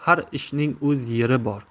har ishning o'z yeri bor